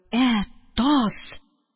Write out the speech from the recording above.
Ә, Таз!